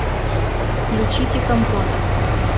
включите компота